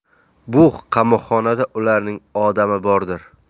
bu qamoqxonada ularning odami bordir